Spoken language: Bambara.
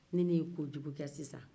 ni ne ye kojugu kɛ sisan